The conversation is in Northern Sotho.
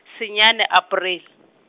senyane Aparele.